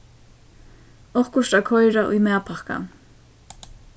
okkurt at koyra í matpakkan